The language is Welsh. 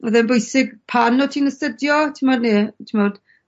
Odd e'n bwysig pan o' ti'n astudio t'mod ne' t'mod